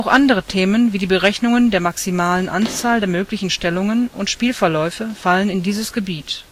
andere Themen wie die Berechnungen der maximalen Anzahl der möglichen Stellungen und Spielverläufe fallen in dieses Gebiet